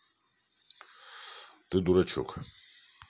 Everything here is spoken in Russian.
ты дурачок